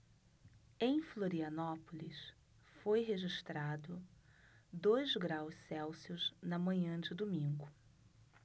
em florianópolis foi registrado dois graus celsius na manhã de domingo